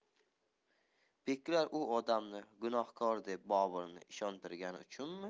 beklar u odamni gunohkor deb boburni ishontirgani uchunmi